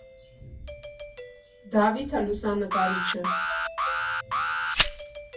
Դավիթը լուսանկարիչ է։